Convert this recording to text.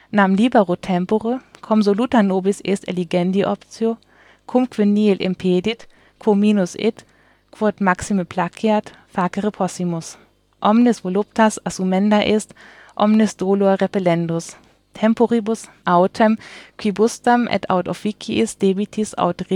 Nam libero tempore, cum soluta nobis est eligendi optio, cumque nihil impedit, quo minus id, quod maxime placeat, facere possimus, omnis voluptas assumenda est, omnis dolor repellendus. Temporibus autem quibusdam et aut officiis debitis aut